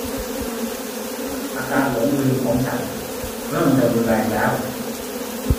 อาการหลงลืมของฉันเริ่มจะรุนแรงแล้ว